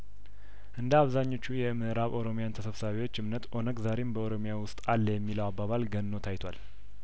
እንደ አብዛኞቹ የምእራብ ኦሮሚያን ተሰብሳቢዎች እምነት ኦነግ ዛሬም በኦሮሚያ ውስጥ አለ የሚለው አባባል ገንኖ ታይቷል